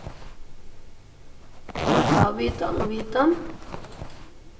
vit hava vitan um vitan